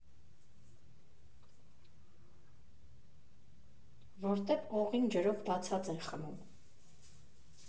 Որտև օղին ջրով բացած են խմում։